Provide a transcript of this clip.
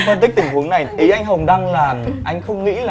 phân tích tình huống này ý anh hồng đăng là anh không nghĩ